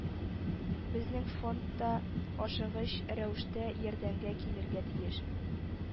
Безнең фонд та ашыгыч рәвештә ярдәмгә килергә тиеш